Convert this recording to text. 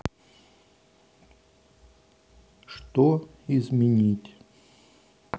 что изменить